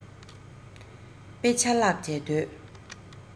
དཔེ ཆ བཀླགས བྱས སྡོད